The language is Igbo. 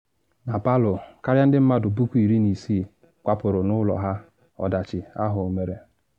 Na Palu, karịa ndị mmadụ 16,000 kwapụrụ n’ụlọ ka ọdachi ahụ mere.